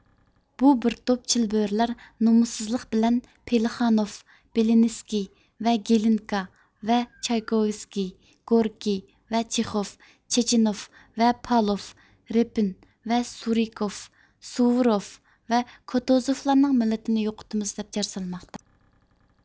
بۇ بىر توپ چىلبۆرىلەر نومۇسسىزلىق بىلەن پلېخانوف بېلىنىسكىي ۋە گلىنكا ۋە چايكوۋىسكىي گوركىي ۋە چىخوف چېچىنوف ۋە پاۋلوف رېپىن ۋە سۇرىكوف سوۋۇرۇف ۋە كوتۇزوفلارنىڭ مىللىتىنى يوقىتىمىز دەپ جار سالماقتا